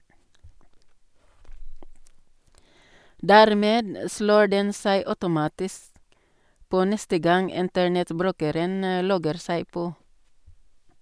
Dermed slår den seg automatisk på neste gang internettbrukeren logger seg på.